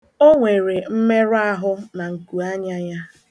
O nwere mmerụ ahụ na nkuanya ya.